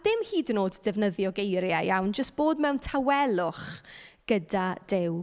Dim hyd yn oed defnyddio geiriau iawn, jyst bod mewn tawelwch gyda Duw.